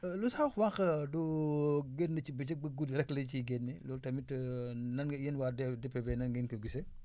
lu tax wànq du génn ci bëccëg ba guddi rek la ciy génn yow tamit nan nga yéen waa D DPV nan ngeen ko gisee